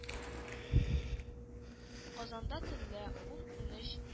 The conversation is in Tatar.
Казанда төнлә - ун-унөч